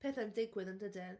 Pethau'n digwydd yn dydyn?